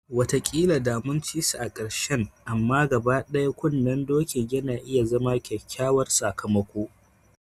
Wataƙila da mun ci su a ƙarshen amma, gaba ɗaya, kunnen dokin yana iya zama kyakkyawar sakamako.